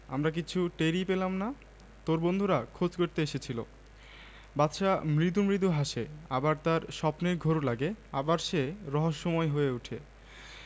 কৌটা থেকে ঔষধ বের করে নানার হাতে দিল নানা বেঁচে থাকো বুবু অনেকগুলো ভালো কাজ করেছ আজ শরিফা খুশি হয়ে নানাকে জড়িয়ে ধরল সংগৃহীত জাতীয় শিক্ষাক্রম ও পাঠ্যপুস্তক বোর্ড বাংলা বই এর অন্তর্ভুক্ত